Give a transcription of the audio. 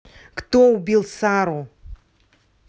кто убил сару